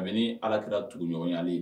Kabini alakira tuguɲɔgɔnyali